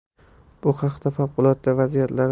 bu haqda favqulodda vaziyatlar